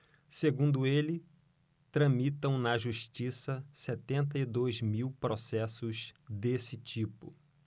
segundo ele tramitam na justiça setenta e dois mil processos desse tipo